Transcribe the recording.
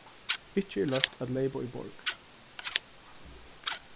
ikki er loyvt at leypa í borg